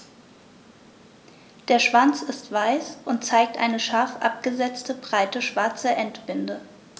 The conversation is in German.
Der Schwanz ist weiß und zeigt eine scharf abgesetzte, breite schwarze Endbinde.